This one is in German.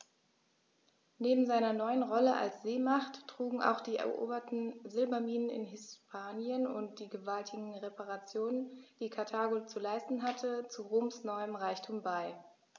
Neben seiner neuen Rolle als Seemacht trugen auch die eroberten Silberminen in Hispanien und die gewaltigen Reparationen, die Karthago zu leisten hatte, zu Roms neuem Reichtum bei.